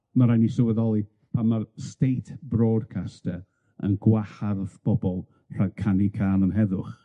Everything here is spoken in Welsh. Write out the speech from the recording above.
ma' raid ni sylweddoli pan mae'r state broadcaster yn gwahardd bobol rhag canu cân am heddwch